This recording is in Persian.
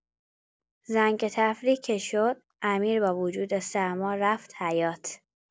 زنگ تفریح که شد، امیر با وجود سرما رفت حیاط.